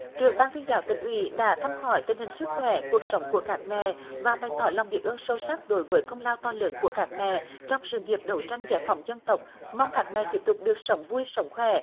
trưởng ban tuyên giáo tỉnh ủy đã thăm hỏi tình hình sức khỏe cuộc sống của các mẹ và bày tỏ lòng biết ơn sâu sắc đối với công lao to lớn của các mẹ trong sự nghiệp đấu tranh giải phóng dân tộc mong các mẹ tiếp tục được sống vui sống khỏe